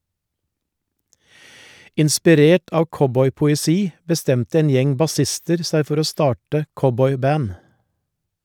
Inspirert av cowboypoesi bestemte en gjeng bassister seg for å starte cowboyband.